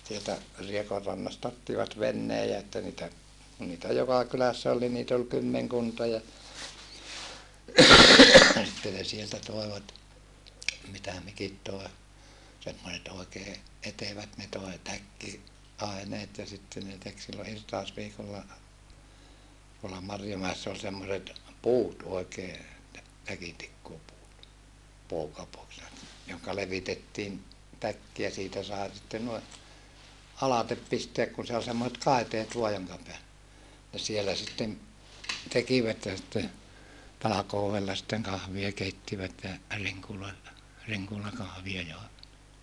sieltä Riekonrannasta ottivat veneen ja että niitä kun niitä joka kylässä oli niin niitä oli kymmenkunta ja sitten ne sieltä toivat mitä mikin toi semmoiset oikein etevät ne toi - takkiaineet ja sitten ne teki silloin irtausviikolla tuolla Marjomäessä oli semmoiset puut oikein - täkintikkuupuut pookapuuksi ne johon levitettiin täkki ja siitä sai sitten noin alitse pistää kun se oli semmoiset kaiteet vain jonka - ne siellä sitten tekivät ja sitten talkoolla sitten kahvia keittivät ja rinkuloilla rinkulakahvia joivat